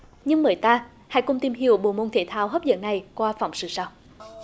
nhưng người ta hãy cùng tìm hiểu bộ môn thể thao hấp dẫn này qua phòng xử sau